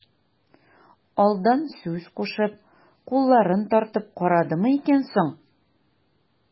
Алдан сүз кушып, кылларын тартып карадымы икән соң...